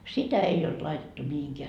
sitä ei ollut laitettu mihinkään